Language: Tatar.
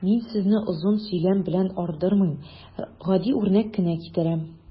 Мин сезне озын сөйләм белән ардырмыйм, гади үрнәк кенә китерәм.